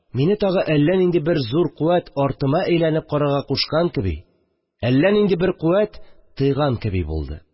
Мине тагы әллә нинди бер зур куәт артыма әйләнеп карарга кушан кеби, әллә нинди бер куәт тайган кеби булды